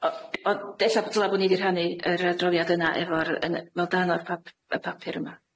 O- ond ella dyla bo' ni 'di rhannu yr adroddiad yna efo'r- yn- fel darn o'r pap- y papur yma.